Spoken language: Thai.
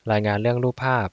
รายงานเรื่องรูปภาพ